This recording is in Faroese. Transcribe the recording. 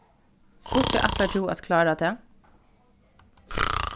hvussu ætlar tú at klára tað